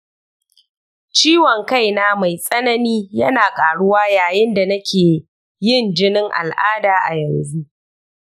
ciwon kaina mai tsanani yana ƙaruwa yayin da nake yin jinin al'ada a yanzu.